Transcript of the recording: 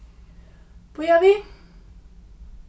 bíða við